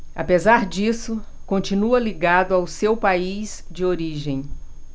apesar disso continua ligado ao seu país de origem